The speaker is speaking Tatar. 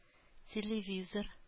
Телевизор